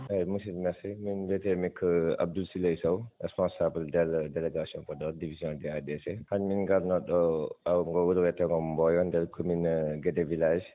eeyi musidɗo merci miin mbiyetee mi ko Abdoul Siley Sow responsable dans les délégations Podor division des ADC hannde miin ngarno ɗo ngo wuro wiyetee ngo Mboyo ndeer commune Gédé village